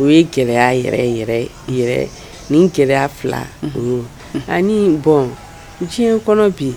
o ye gɛlɛyaya yɛrɛ ni gɛlɛya fila ani bɔn diɲɛ kɔnɔ bɛ yen